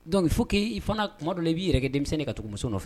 Dɔnku fo k' i fana tuma dɔ i b'i yɛrɛ denmisɛnnin ka dugu muso nɔfɛ